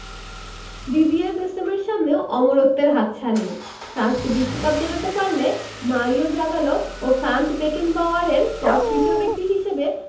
Didier দেশমের সামনেও অমরত্বের হাতছানি ফ্রান্সকে বিশ্বকাপ জেতাতে পারলে মারিও জাগালো ও ফ্রাঞ্জ বেকেনবাওয়ারের পর তৃতীয় ব্যক্তি হিসেবে